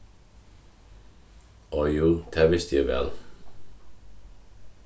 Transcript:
áh jú tað visti eg væl